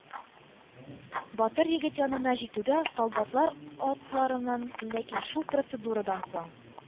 Батыр егет янына җитүгә, солдатлар атларыннан Ләкин шул процедурадан соң